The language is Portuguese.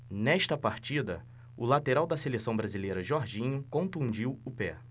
nesta partida o lateral da seleção brasileira jorginho contundiu o pé